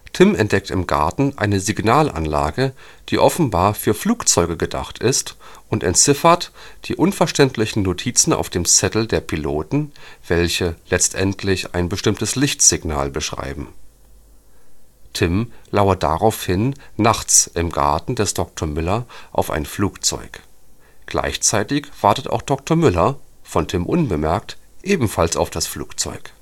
Tim entdeckt im Garten eine Signalanlage, die offenbar für Flugzeuge gedacht ist, und entziffert die unverständlichen Notizen auf dem Zettel der Piloten, welche letztendlich ein bestimmtes Lichtsignal beschreiben. Tim lauert daraufhin nachts im Garten des Dr. Müller auf ein Flugzeug. Gleichzeitig wartet auch Dr. Müller - von Tim unbemerkt - auf das Flugzeug